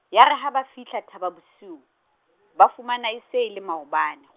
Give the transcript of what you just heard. yare ha ba fihla Thaba Bosiu , ba fumana e se e le maobane.